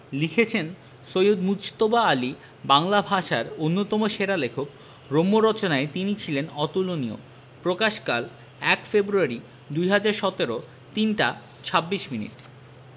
লিখেছেনঃ সৈয়দ মুজতবা আলী বাংলা ভাষার অন্যতম সেরা লেখক রম্য রচনায় তিনি ছিলেন অতুলনীয় প্রকাশকালঃ ১ ফেব্রুয়ারী ২০১৭ ৩টা ২৬ মিনিট